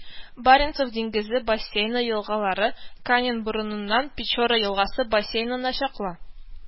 Баренцев диңгезе бассейны елгалары Канин борынынан Печора елгасы бассейнына чаклы